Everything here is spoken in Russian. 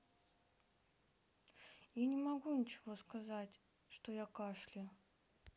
я не могу ничего сказать что я кашляю